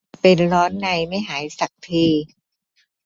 เป็นร้อนในไม่หายสักที